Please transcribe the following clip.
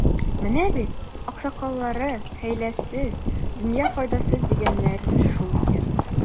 Менә бит, аксакалларның, хәйләсез — дөнья файдасыз, дигәннәре шул икән.